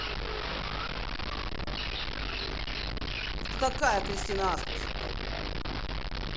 кто такая кристина асмус